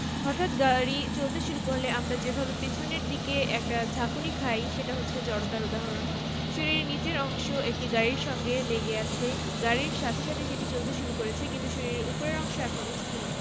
হঠাৎ গাড়ি চলতে শুরু করলে আমরা যেভাবে পেছনের দিকে একটা ঝাঁকুনি খাই সেটা হচ্ছে জড়তার উদাহরণ শরীরের নিচের অংশ গাড়ির সাথে লেগে আছে গাড়ির সাথে সাথে সেটা চলতে শুরু করেছে কিন্তু শরীরের ওপরের অংশ এখনো স্থির